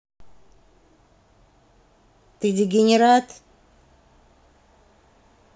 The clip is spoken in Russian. ты дегенерат